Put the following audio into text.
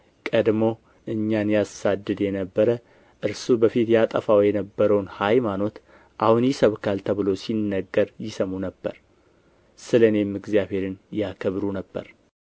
ቀድሞ እኛን ያሳድድ የነበረ እርሱ በፊት ያጠፋው የነበረውን ሃይማኖት አሁን ይሰብካል ተብሎ ሲነገር ይሰሙ ነበር ስለ እኔም እግዚአብሔርን ያከብሩ ነበር